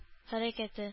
Хәрәкәте